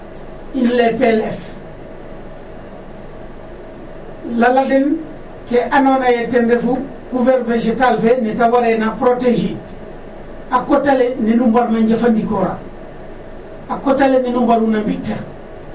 in les PLF laal a den ke andoona ye ten refu couvert végétale fe ne ta wareena proteger it a kot ale nenu mbartunaa njefandikorat a kot ale nenu mbaruna mbi'ta,